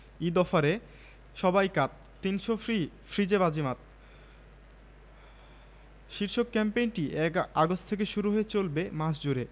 আমি এখনো এক ফোঁটা জল ও মুখে দিইনি আমি ত এখনো শুধু মার দুধ খাই হুম আমার সব অভিযোগ এর তুই ভালই জবাব দিয়ে দিয়েছিস কিন্তু তা বললে তো আর আমার পেট চলবে না